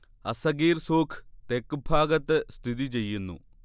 അസ്സഗീർ Souq തെക്ക് ഭാഗത്ത് സ്ഥിതി ചെയ്യുന്നു